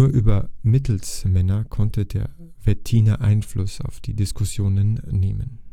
über Mittelsmänner konnte der Wettiner Einfluss auf die Diskussionen nehmen